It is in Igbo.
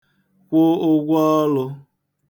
kwụ ụgwọ ọlụ̄